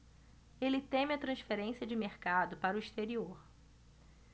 ele teme a transferência de mercado para o exterior